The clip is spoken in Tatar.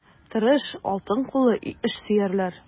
Тырыш, алтын куллы эшсөярләр.